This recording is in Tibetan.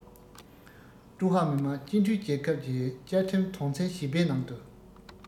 ཀྲུང ཧྭ མི དམངས སྤྱི མཐུན རྒྱལ ཁབ ཀྱི བཅའ ཁྲིམས དོན ཚན བཞི པའི ནང དུ